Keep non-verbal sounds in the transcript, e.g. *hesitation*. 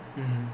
*hesitation* *hesitation*